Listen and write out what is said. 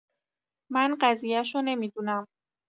من قضیشو نمی‌دونم